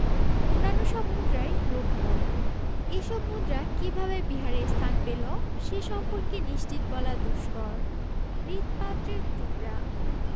অন্যান্য সব মুদ্রাই রৌপ্য এসব মুদ্রা কিভাবে বিহারে স্থান পেল সে সম্পর্কে নিশ্চিত বলা দুষ্কর মৃৎপাত্রের টুকরা